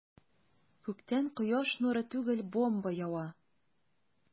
Күктән кояш нуры түгел, бомба ява.